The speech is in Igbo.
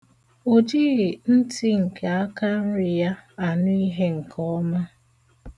O jighi ntị nke aka nri ya anụ ihe nke ọma.